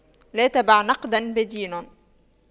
لا تبع نقداً بدين